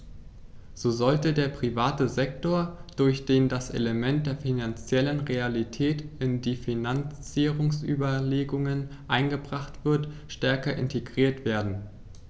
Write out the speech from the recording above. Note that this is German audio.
So sollte der private Sektor, durch den das Element der finanziellen Realität in die Finanzierungsüberlegungen eingebracht wird, stärker integriert werden.